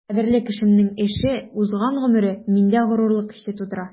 Кадерле кешемнең эше, узган гомере миндә горурлык хисе тудыра.